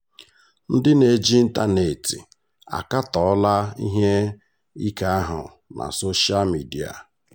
Ndị na-eji ịntaneetị akatọọla ihe ike ahụ na sosha midịa: